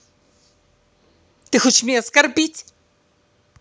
ты хочешь меня оскорбить